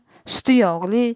suti yog'li